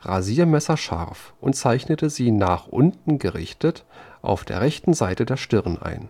rasiermesserscharf und zeichnete sie nach unten gerichtet auf der rechten Seite der Stirn ein